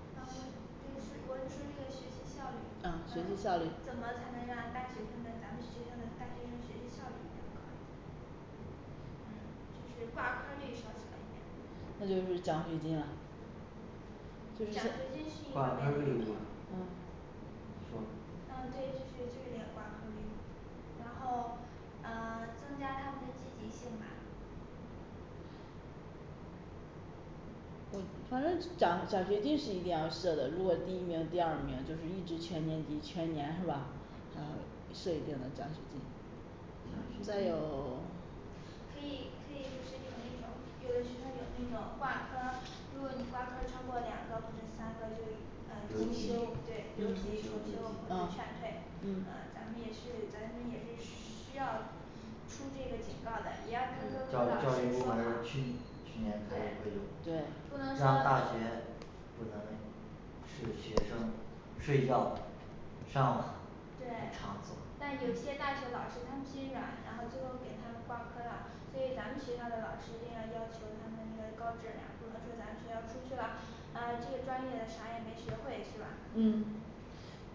对我是说那个学习效率，嗯，学习效率怎么才能让大学生的咱们学校的大学生学习效率比较高嗯，就是挂科儿率要小一点那就是奖学金了这奖就是学金是，一方挂科面儿的率原不因管，嗯说嗯对，就是就是那个挂科率嘛，然后嗯增加他们的积极性嘛就反正奖奖学金是一定要设的，如果第一名第二名就是一直全年级全年是吧？啊设一定的奖学金。奖再学金有 可以可以不是有那种有的学校有那种挂科儿，如果你挂科儿超过两个或者三个有提议重修，对有几个就能啊劝退，嗯，咱们也是需要出这个警告的，也要跟各教育教育部门个儿去去年开完会对对就上大学不能那是学生睡觉上网，的对场所，但有些大学老师他们心软，然后最后给他们挂科儿了，所以咱们学校的老师一定要要求他们那个高质量，不能说咱们学校出去了啊这个专业啥也没学会是吧嗯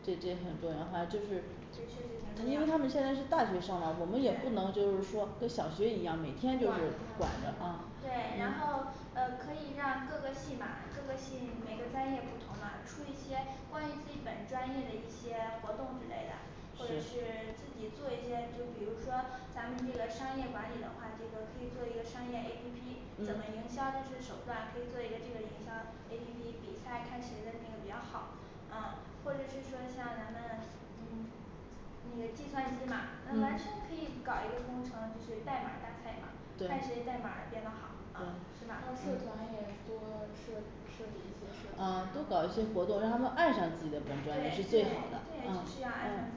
这这很重要的话就对是确实，挺重因要为他们现在是大学生了，我们也不能就是说跟小学一样每天就是，管管着着，嗯他对，然后可以让各个系嘛各个系每个专业不同嘛出一些关于自己本专业的一些活动之类的或者是自己做一些就比如说咱们这个商业管理的话，这个可以做一个商业A P P，怎么营销嗯这些手段可以做一个这个营销A P P比赛，看谁的那个比较好嗯或者是说像咱们嗯那个计算机嘛那完全可以搞一个工程，就是代码大赛嘛，看谁代对码编得好嗯是吧社？团也多设设计一些设计嗯多搞一些活动，让他们对对对，是要爱上自己专业，然后看一些爱上自己的本专业是最好的嗯嗯，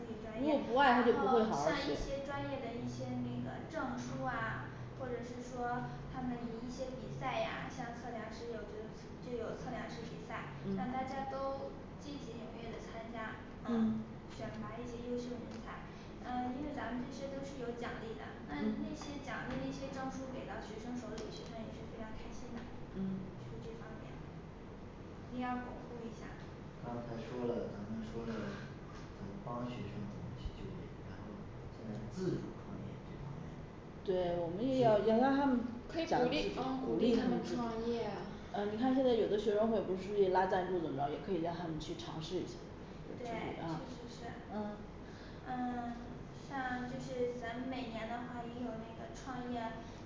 如果不爱他就不会好儿好儿学专业的一些那个证书啊或者是说他们一些比赛呀，像测量师有就就有测量师比赛，让大家嗯都积极踊跃的参加嗯选拔一些优秀的人才，嗯因为咱们这些都是有奖励的，按那嗯些奖励那些证书给到学生手里，学生也是非常开心的，就嗯这方面一定要巩固一下刚才说了咱们说的怎么帮学生怎么去就业，然后在自主创业这方面对，我们也要要让他们，嗯可以鼓励啊鼓励他们创业你看现在有的学生会不是也拉赞助怎么着，也可以让他们去对，确尝试实是啊恩嗯像就是咱们每年的话也有那个创业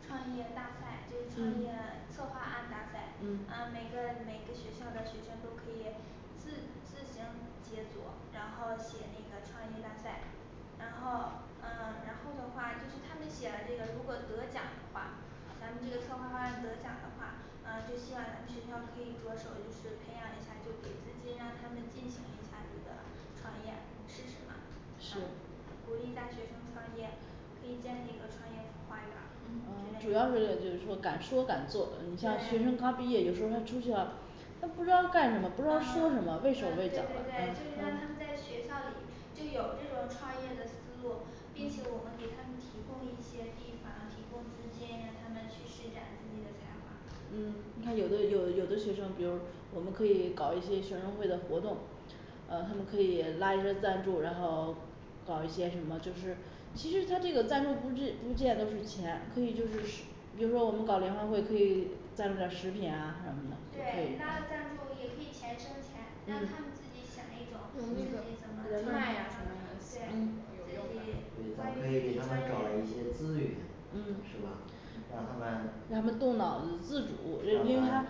创业大赛，创业嗯策划案大赛嗯，每个每个学校的学生都可以自自行结组，然后写那个创业大赛，然后嗯然后的话就是他们写的这个如果得奖的话咱们这个策划案得奖的话，嗯就希望咱们学校可以着手一次培养一下，就给资金让他们进行一下这个创业试试嘛嗯？是鼓励大学生创业，可以建立一个创业孵化园嗯，儿之类主的，要是就是说敢说敢做，你像对学生刚毕业，有时候他出去了他不知道嗯，对对对就干什么，不知道说什么畏手畏脚了让他们在学校里就有这种创业的思路，并且我们给他们提供一些地方提供资金，让他们去施展自己的才华嗯你看有的有有的学生比如我们可以搞一些学生会的活动，呃他们可以拉一些赞助，然后搞一些什么就是其实他这个赞助不是不见都是钱可以就是比如说我们搞联欢会可以赞助点儿食品啊什么的，对拉赞助也可以钱生钱，让他有们自己想一种自那个己想人脉一呀什么的种，有用的对，咱们可以给他们找一些资源，嗯嗯是吧让让他他们们动脑子自主，因为他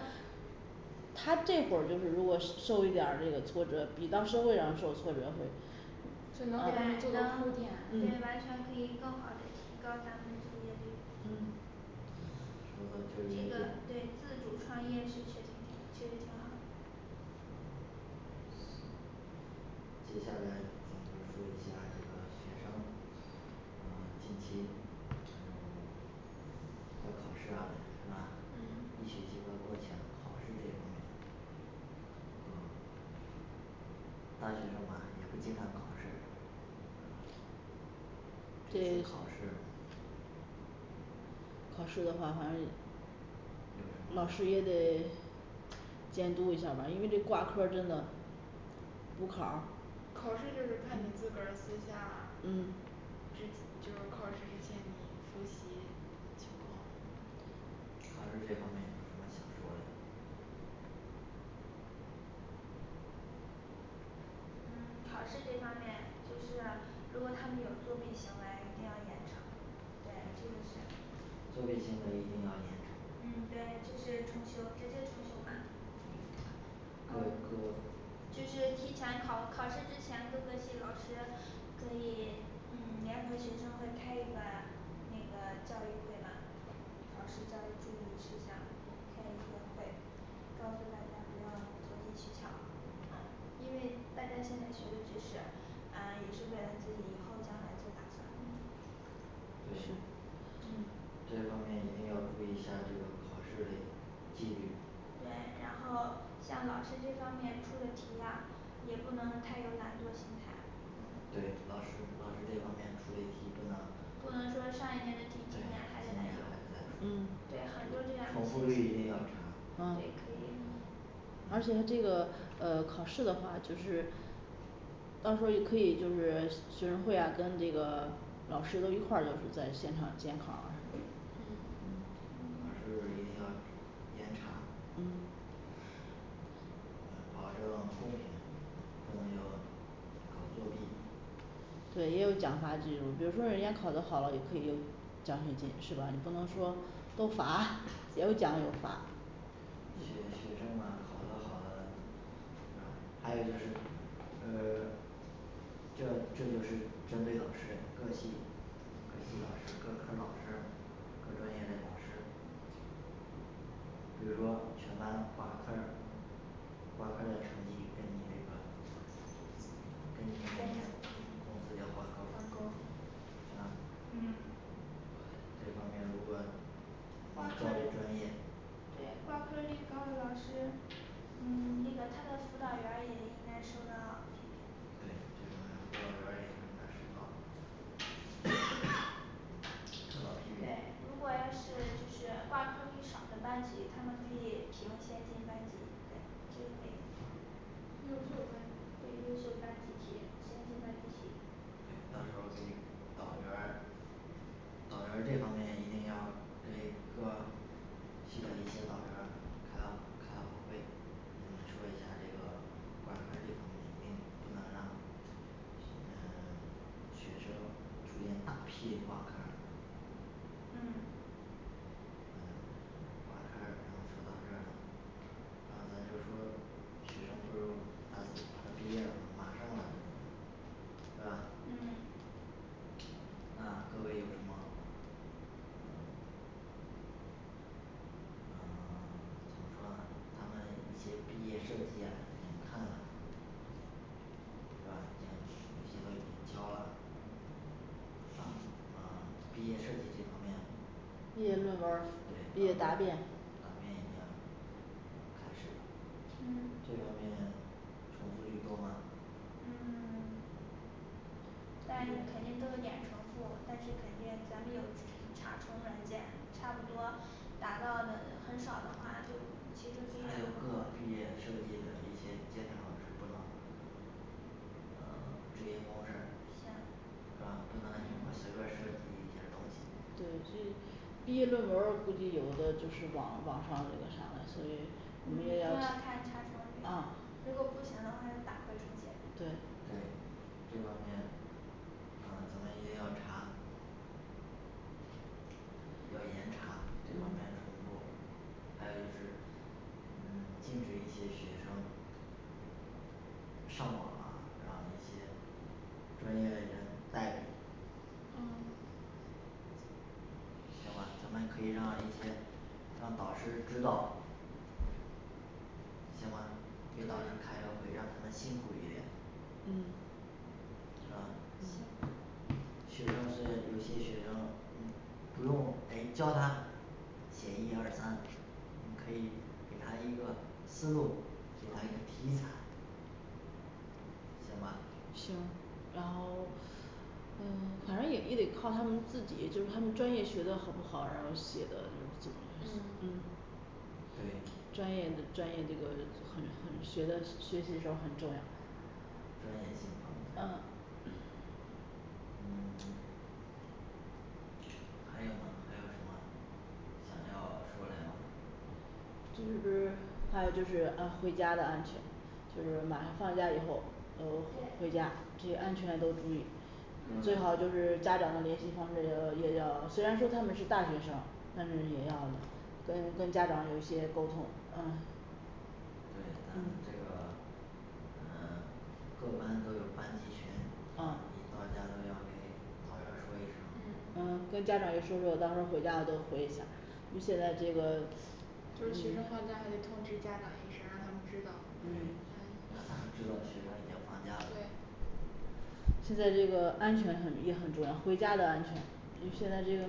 他这会儿就是如果是 受一点儿这个挫折，比到社会上受挫折会就能给他们做个铺垫，对嗯，完全可以更好的提高咱们这些内容。这个对自主创业是确确实挺好的接下来咱们说一下这个学生嗯近期要考试啦，是吧？嗯一学期就要过去了，考试这方面嗯大学生嘛也不经常考试考试这考试的话反正老师也得监督一下吧，因为这挂科儿真的补考儿考试就是看你自个儿私下之嗯，就是考试之前你复习情况。考试这方面有什么想说嘞嗯考试这方面，就是如果他们有作弊行为一定要严惩。对这个是，作弊行为一定要嗯对严惩。，就是重修直接重修嘛搞一个。就是提前考考试之前，各个系老师可以嗯联合学生会开一个那个教育会嘛考试教育注意事项，开一个会，告诉大家不要投机取巧嗯，因为大家现在学的知识嗯也是为了自己以后将来做打算对是嗯，这方面一定要注意一下儿这个考试的纪律。对，然后像老师这方面出的题呀也不能太有懒惰心态对老师老师这方面出嘞题不能，嗯不能说上一年的题今对年今还得来年还重嗯，对出很多这样重复的率一定要查。对嗯可以嗯而且这个呃考试的话就是到时候也可以就是，学生会啊跟这个老师都一块儿都是在现场监考什么的，嗯嗯嗯考试一定要严查嗯保证公平。不能有搞作弊。对，也有奖罚记录，比如说人家考得好了也可以有奖学金是吧？你不能说都罚要有奖有罚学学生嘛考的好了，是吧还有就是呃这这就是针对老师嘞各系，各系老师各科儿老师，各专业嘞老师比如说全班挂科儿，挂科儿的成绩跟你这个工资要挂钩挂钩儿儿，是吧嗯这方面如果挂科教育儿专业对挂科儿率高的老师，嗯那个他的辅导员儿也应该受到批评对这方面儿辅导员儿也应该受到 受到批评对，如果要是就是挂科率少的班级，他们可以评先进班级对，这都可以优秀班对优级秀班集体，先进班集体对，到时候可以导员儿导员儿这方面一定要对各系的一些导员儿开开好会，说一下这个。挂科儿这方面一定不能让嗯学生出现大批的挂科嗯嗯然后说到这了，咱就说学生不是他们毕业了马上啦是嗯吧那各位有什么呃 什么他们一些毕业设计呀已经看了是吧？嗯有些都已经交了啊啊毕业设计这方面。毕业论文儿毕业对答答辩辩已经开始，这方面重复率多吗嗯 但肯定都有点重复，但是肯定咱们有查重软件差不多，达到的很少的话，就其实可以还有个毕业设计的一些监考是不能嗯支应公事儿行是吧？不能你随便儿设计一些东西，对，所以毕业论文儿估计有的就是网网上啥的，所以，我嗯们一定要看查重，如果不行的话就打回重写对对。这方面嗯咱们一定要查要严查这方面重复。 还有就是嗯禁止一些学生上网啊，让一些专业的人代理嗯行吧，咱们可以让一些让导师知道行吧给老师开个可以会让他们辛苦一点嗯行吧行。学生是有些学生不用诶教他写一二三，我们可以给他一个思路，给他一个题材行行吧然后嗯反正也也得靠他们自己，就是他们专业学得好不好，然后写的怎么样，嗯嗯对，专业的专业这个很很学的学习时候儿很重要专业性方，面的嗯嗯 还有吗还有什么？想要说嘞吗就是不是还有就是按回家的安全，就是马上放假以后都回对家，这些安全都注意最嗯好就是家长的联系方式要也要，虽然说他们是大学生，但是也要跟跟家长有一些沟通，嗯对。 嗯这个嗯各班都有班级群你哦到家都要给导员儿说一嗯，嗯声儿嗯跟家长也说说，到时候儿回家了都回一下因为现在这个就是学生放假还得通知家长一声儿让他们知道让他们知道学生已经放假了对现在这个安全很也很重要，回家的安全你现在这个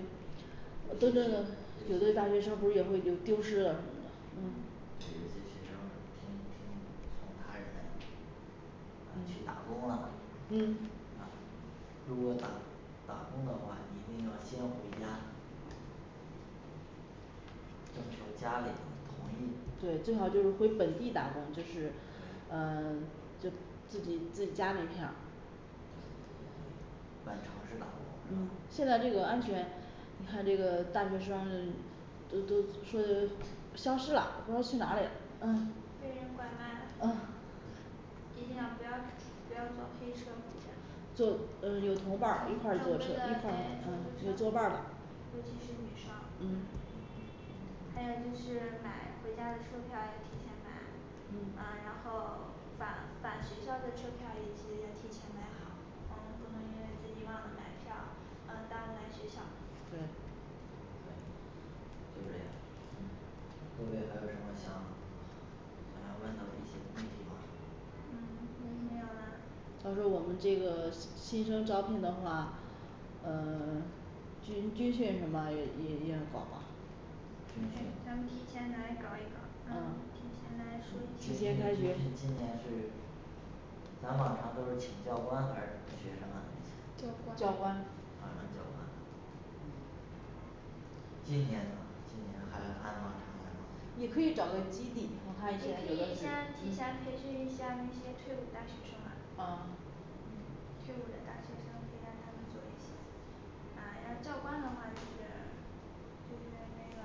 有的大学生不是也会丢失了什么的嗯对，有些学生听听从他人嘞去打工了。嗯嗯如果打打工的话，你一定要先回家征求家里人。同对，最好就是意，回本地打工。就是呃就自己自己家那一片儿对对对对。本城市打工嗯是吧？现在这个安全你看这个大学生儿都都说消失了，不知道去哪被里了嗯人拐卖了一定要不要不要坐黑车回家坐，嗯有同伴儿一块儿坐车一块儿嗯有作伴儿的尤其是女生嗯，还有就是买回家的车票要提前买嗯嗯然后返返学校的车票也提前提前买好，嗯不能因为自己忘了买票，嗯耽误来学校对就这个各位还有什么想想要问到的一些问题嗯嗯没有没啦到时候我们这个新生招聘的话，呃 军军训什么也也也要搞吧咱军们训提前来搞一搞，嗯提前军训来说嗯今提今前一下开今年学是咱往常都是请教官还是学生啊教教官官往常教官今年呢今天还按往常来也可以找吗，个基地也，我可看一下以先提前培训一下那些退伍大学生啊啊嗯退伍的大学生可以让他们做一些嗯要教官的话就是就是那个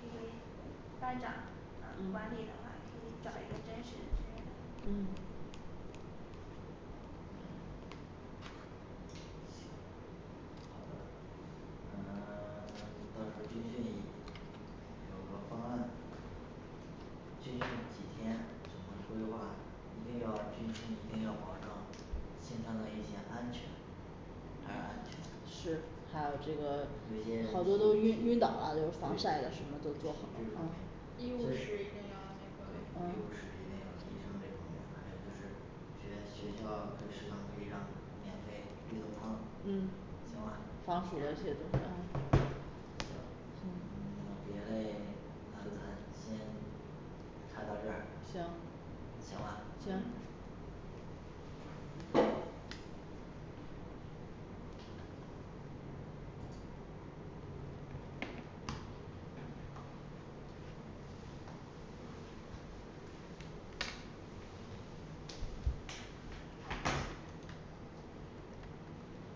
可以。班长嗯管理的嗯话可以找一个真实的军人嗯好吧嗯 到时候军训有个方案军训几天，怎么规划一定要军训一定要保证，线上的一些安全还要安全是还有这个好多都晕晕倒了，防晒的什么都做好医务室一定要对医那务室个，一定要医生这方面，还有就是学学校给食堂可以让免费绿豆汤，嗯行吧防暑的这些东西别嘞咱先谈到这儿行行吧。行